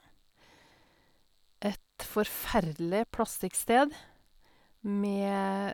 Et forferdelig plastikksted med...